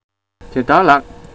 དེ ལྟར ལགས